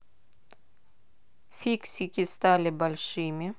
фиксики стали большими